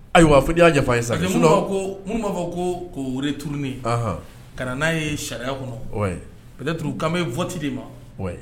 Ayiwa fɔ i y'a yafa ye sa minnu b'a fɔ ko kotununi ka n'a ye sariya kɔnɔ tunuru kamabe fɔti de ma